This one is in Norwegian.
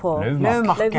bjørkemåler .